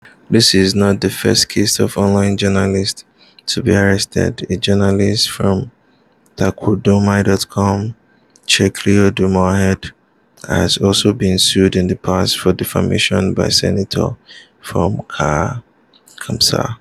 This is not the first case of online journalist to be arrested, a journalist from Taqadoumy.com, Cheikh Ould Ahmed, has also been sued in the past for defamation by Senator from Kankossa.